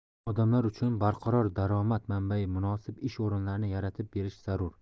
odamlar uchun barqaror daromad manbai munosib ish o'rinlarini yaratib berish zarur